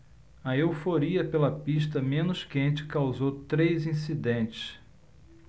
a euforia pela pista menos quente causou três incidentes